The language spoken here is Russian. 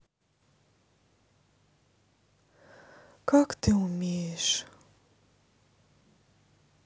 как ты умеешь